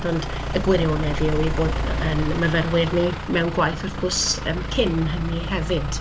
ond y gwirionedd yw eu bod... ein myfyrwyr ni mewn gwaith wrth gwrs yym cyn hynny hefyd.